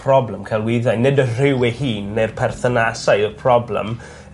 problem celwydde. Nid y rhyw eu hun ne'r perthynasau yw'r problem